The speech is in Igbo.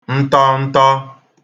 ntọntọ